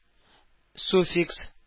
Суффикс